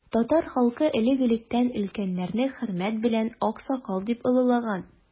Татар халкы элек-электән өлкәннәрне хөрмәт белән аксакал дип олылаган.